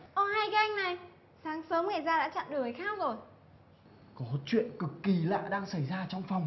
ơ hay cái anh này sáng sớm ngày ra đã chặn đường người khác rồi có chuyện cực kỳ lạ đang xảy ra trong phòng